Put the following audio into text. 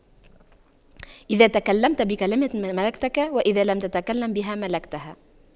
إذا تكلمت بالكلمة ملكتك وإذا لم تتكلم بها ملكتها